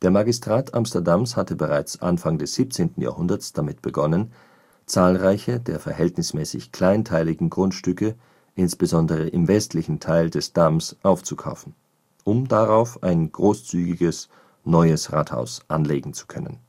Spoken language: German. Magistrat Amsterdams hatte bereits Anfang des 17. Jahrhunderts damit begonnen, zahlreiche der verhältnismäßig kleinteiligen Grundstücke insbesondere im westlichen Teil des Dams aufzukaufen, um darauf ein großzügiges neues Rathaus anlegen zu können